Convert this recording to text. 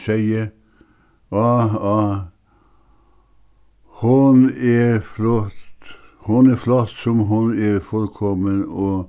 segði áh áh hon er flott hon er flott sum hon er fullkomin og